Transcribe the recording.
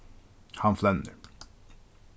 hann flennir